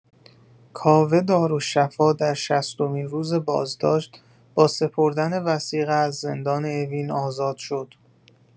کاوه دارالشفا در شصتمین روز بازداشت، با سپردن وثیقه از زندان اوین آزاد شد